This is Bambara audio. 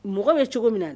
Mɔgɔ bɛ cogo min na